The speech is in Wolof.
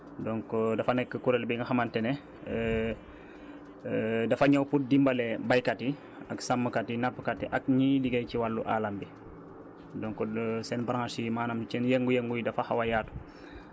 donc dafa nekk kuréel bi nga xamante ne dafa ñëw pour dimbale baykat yi ak sàmmkat yi nappkat yi ak ñiy liggéey ci wàllu alam bi donc seen branches yi maanaam seen yëngu-yëngu yi dafa xaw a yaatu